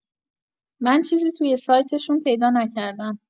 من چیزی توی سایتشون پیدا نکردم